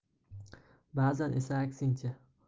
ba'zan esa aksincha